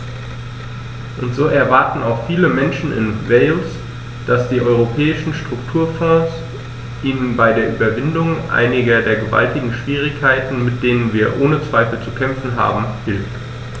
Und so erwarten auch viele Menschen in Wales, dass die Europäischen Strukturfonds ihnen bei der Überwindung einiger der gewaltigen Schwierigkeiten, mit denen wir ohne Zweifel zu kämpfen haben, hilft.